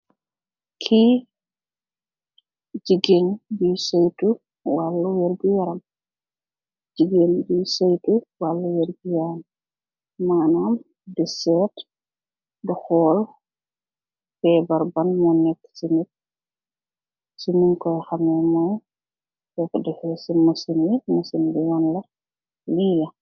Kii jigéen buy sëytu waalum wérgu yaram. Jigéen buy sëytu waalum wérgu yaram. Manaam di séét, di xool, fébar ban moo néékë si nit, so kow defee si masin bi, masin bi won la li la.